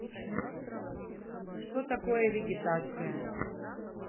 что такое вегетация